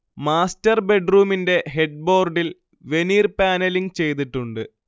master ബെഡ്റൂമിന്റെ head ബോർഡിൽ veneer panelling ചെയ്തിട്ടുണ്ട്